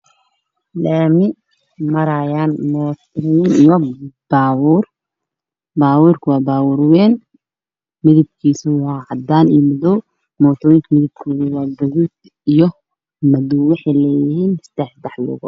Waxaa ii muuqda mooto bajaajyo askari ayaa